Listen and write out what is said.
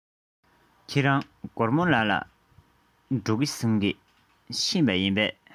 ཁྱེད རང གོར མོ ལ འགྲོ རྒྱུ ཡིན གསུང པས ཕེབས སོང ངམ